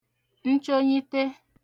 nchonyite